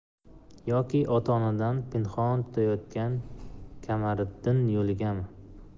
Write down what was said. yoki ota onadan pinxon tutayotgani kamariddin yo'ligami